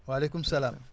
waaleykum salaam